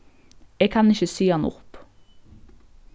eg kann ikki siga hann upp